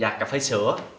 dạ cà phê sữa